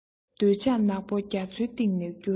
འདོད ཆགས ནག པོ རྒྱ མཚོའི གཏིང ལ བསྐྱུར